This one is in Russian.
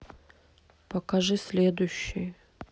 покажи следующий